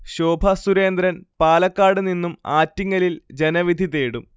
ശോഭസുരേന്ദ്രൻ പാലക്കാട് നിന്നും ആറ്റിങ്ങലിൽ ജനവിധി തേടും